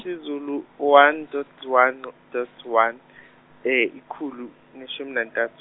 isiZulu, one dot one dot one, e- ikhulu neshumi nantathu.